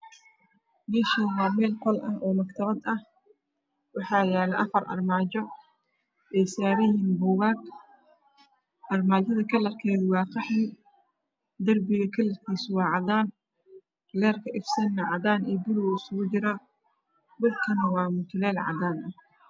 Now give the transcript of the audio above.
Halkan waa qol waxaa yalo mag tabad kalar kedo yahay qahwi qol kalar kisi waa cadan magatabad waxaa saran bugaga kalar kode yahay dahabi iyo qalin iyo baluug iyo madow iyo qahwi iyo cadan iyo cagar